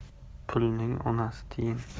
pulning onasi tiyin